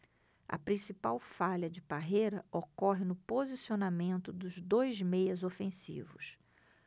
a principal falha de parreira ocorre no posicionamento dos dois meias ofensivos